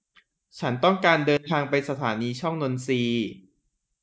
ฉันต้องการเดินทางไปสถานีช่องนนทรี